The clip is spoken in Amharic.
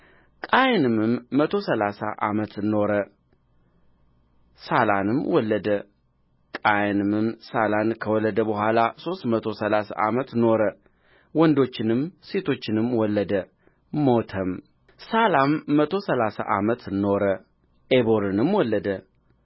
ቃይንምም መቶ ሠላሳ ዓመት ኖረ ሳላንም ወለደ ቃይንምም ሳላን ከወለደ በኋላ ሶስት መቶ ሠላሳ ዓመት ኖረ ወንዶችንም ሴቶችንም ወለደ ሞተም ሳላም መቶ ሠላሳ ዓመት ኖረ ዔቦርንም ወለደ